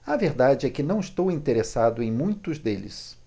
a verdade é que não estou interessado em muitos deles